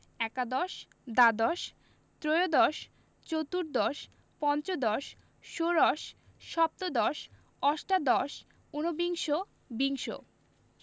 একাদশ দ্বাদশ ত্ৰয়োদশ চতুর্দশ পঞ্চদশ ষোড়শ সপ্তদশ অষ্টাদশ উনবিংশ বিংশ